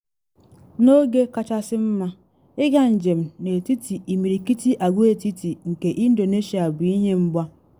N’oge kachasị mma, ịga njem n’etiti imirikiti agwaetiti nke Indonesia bụ ihe mgba.